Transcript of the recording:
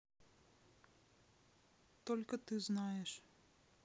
только ты знаешь